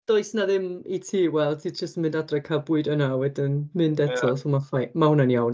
Does na ddim i ti, wel ti jyst yn mynd adra cael bwyd yna a wedyn mynd eto. So mae'n fine, ma' hwnna'n iawn.